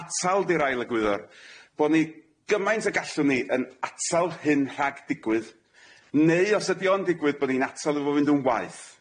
Atal di'r ail egwyddor, bo ni gymaint ag allwn ni yn atal hyn rhag digwydd neu os ydi o'n digwydd bo ni'n atal iddo fo fynd yn waeth.